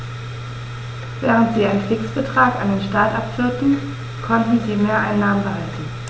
Während sie einen Fixbetrag an den Staat abführten, konnten sie Mehreinnahmen behalten.